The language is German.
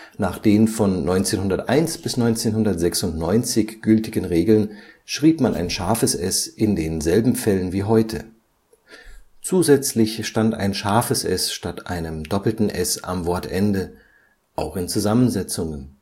Nach den von 1901 bis 1996 gültigen Regeln schrieb man ß in denselben Fällen wie heute; zusätzlich stand ß statt ss am Wortende (auch in Zusammensetzungen